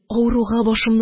Авыруга башымны